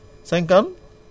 54